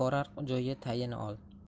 borar joyga tayin ol